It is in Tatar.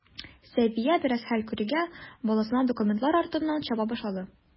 Сәвия, бераз хәл керүгә, баласына документлар артыннан чаба башлады.